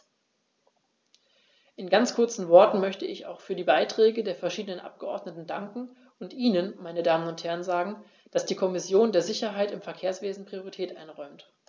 In ganz kurzen Worten möchte ich auch für die Beiträge der verschiedenen Abgeordneten danken und Ihnen, meine Damen und Herren, sagen, dass die Kommission der Sicherheit im Verkehrswesen Priorität einräumt.